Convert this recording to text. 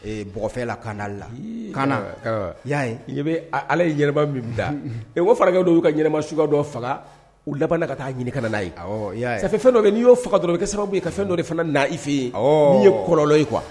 Ɔgɔfɛ la kaana la kaana y'a ala ye yɛlɛma min bila o furakɛ dɔw y'u ka yɛlɛmama suka dɔ faga u laban ka taa ɲininka kana n' ye fɛn dɔ n'i'o faga dɔrɔn i kɛ sababu i ka fɛn dɔ de fana na i fɛ ye n ye kɔlɔnlɔ ye kuwa